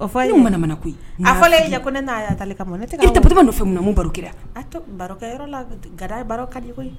o fɔ a ye manamana koyi aɛba nɔfɛ baro kira la ga